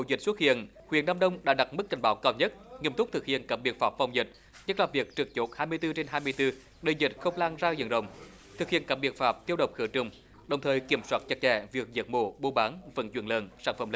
ổ dịch xuất hiện huyện nam đông đã đặt mức cảnh báo cao nhất nghiêm túc thực hiện các biện pháp phòng dịch nhất là việc trực chốt hai mươi tư trên hai mươi tư để dịch không lan ra diện rộng thực hiện các biện pháp tiêu độc khử trùng đồng thời kiểm soát chặt chẽ việc giết mổ buôn bán vận chuyển lợn sản phẩm